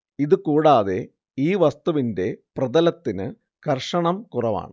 ഇതു കൂടാതെ ഈ വസ്തുവിന്റെ പ്രതലത്തിന് ഘര്‍ഷണം കുറവാണ്